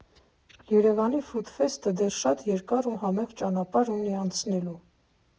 Երևանի ֆուդ֊ֆեսթը դեռ շատ երկար ու համեղ ճանապարհ ունի անցնելու։